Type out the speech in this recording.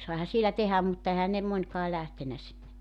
saihan siellä tehdä mutta eihän ne monikaan lähtenyt sinne